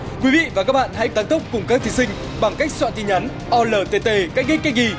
quý vị và các bạn hãy tăng tốc cùng các thí sinh bằng cách soạn tin nhắn o lờ tê tê cách ích cách y